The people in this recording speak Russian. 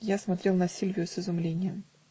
Я смотрел на Сильвио с изумлением.